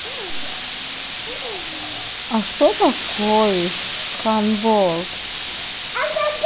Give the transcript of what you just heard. а что такое сканворд